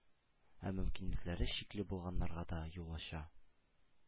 Ә мөмкинлекләре чикле булганнарга да юл ача.